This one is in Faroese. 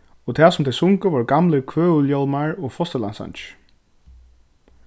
og tað sum tey sungu vóru gamlir kvøðuljómar og fosturlandssangir